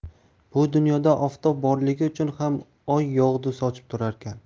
bu dunyoda oftob borligi uchun ham oy yog'du sochib turarkan